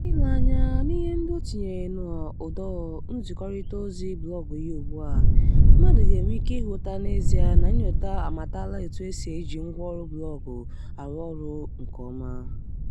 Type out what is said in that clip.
Site n'ileanya n'ihe ndị o tinyere n'ụdọnzikọrịtaozi blọọgụ ya ugbu a, mmadụ ga-enwe ike ịhụta n'ezie na Nyota amatala etu esi e ji ngwaọrụ blọọgụ arụ ọrụ nke ọma.